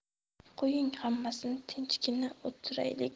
qo'ying hammasini tinchgina o'tiraylik